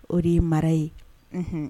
O de ye mara ye